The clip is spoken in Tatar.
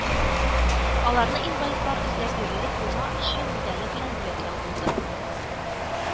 Аларны инвалидлар эзләп йөрерлек булма өчен медале белән бүләкләү булды